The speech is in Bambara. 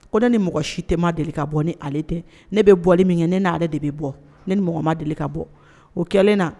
Ko ne ni mɔgɔ si tɛma deli ka bɔ ni ale tɛ ne bɛ bɔli min kɛ ne' ale de bɛ bɔ ne ni mɔgɔ ma deli ka bɔ o kɛlen na